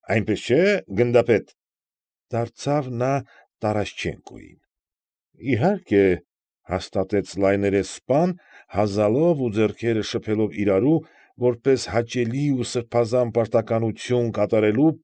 Այնպես չէ՞, գնդապետ,֊ դարձավ նա Տարաշչենկոյին։ ֊ Իհարկե,֊ հաստատեց լայներես սպան, հազալով ու ձեռքերը շփելով իրարու, որպես հաճելի ու սրբազան պարտականություն կատարելու։